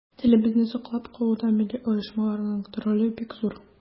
Телебезне саклап калуда милли оешмаларның роле бик зур.